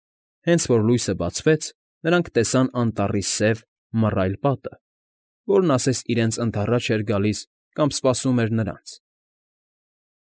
Հենց որ լույսը բացվեց, նրանք տեսան անտառի սև, մռայլ պատը, որն ասես իրենց ընդառաջ էր գալիս կամ սպասում էր նրանց։